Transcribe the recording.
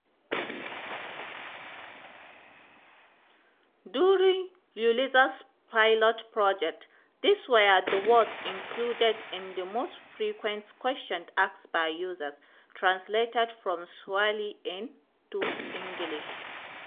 During Uliza's pilot project, these were the words included in the most frequent questions asked by users (translated from Swahili into English).